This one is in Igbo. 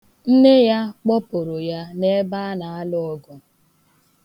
Nne ya kpọpuru ya n'ebe a na-alụ ọgụ.